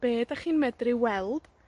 be' 'dych chi'n medru weld